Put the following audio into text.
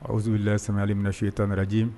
Azbila silamɛyali minɛsiw ye tanmeji